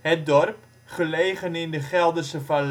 (2004). Het dorp, gelegen in de Gelderse Vallei